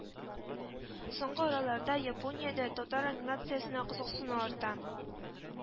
Соңгы араларда Япониядә татар анимациясенә кызыксыну арта